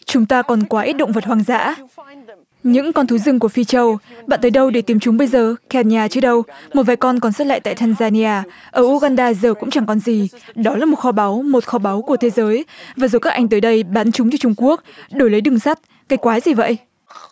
chúng ta còn quá ít động vật hoang dã những con thú rừng của phi châu bạn tới đâu để tìm chúng bây giờ kèm nhà chứ đâu một vài con còn sót lại tại tan ra ni a ở u gan đa giờ cũng chẳng còn gì đó là một kho báu một kho báu của thế giới và rồi các anh tới đây bán chúng cho trung quốc đổi lấy đường sắt cái quái gì vậy